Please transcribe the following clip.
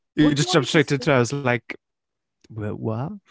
You just jumped straight into it and I was like, wh-what?